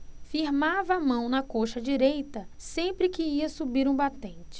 firmava a mão na coxa direita sempre que ia subir um batente